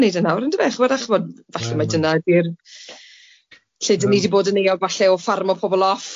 chi'bod? A chi'bod falle mae dyna di'r lle 'dan ni di bod yn euog falle o ffarmo pobol off.